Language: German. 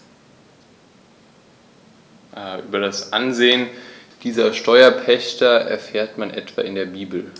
Über das Ansehen dieser Steuerpächter erfährt man etwa in der Bibel.